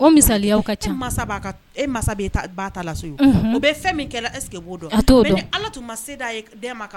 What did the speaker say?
Ala ma